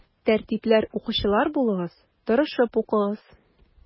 Тәртипле укучылар булыгыз, тырышып укыгыз.